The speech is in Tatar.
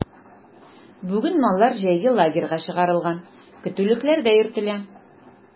Бүген маллар җәйге лагерьларга чыгарылган, көтүлекләрдә йөртелә.